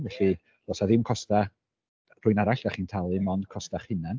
felly does 'na ddim costau rhywun arall dach chi'n talu, mond costau eich hunain.